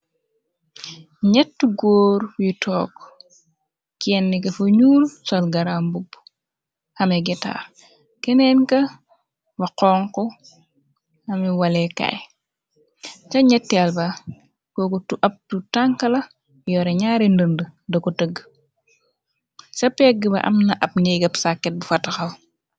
Nyetti góor yu toog genne ka fa ñyuul sol garambubb xami getaar geneen ka ba xonk xami walee kaay ca ñettialba kogu tu abtutankala yoore ñaare ndënd da ko tëgg ca pegg ba am na ab negab sàkket bu fataxaw.